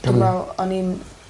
dwi me'wl o'n i'n...